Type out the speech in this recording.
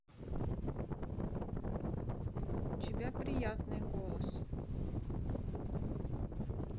у тебя приятный голос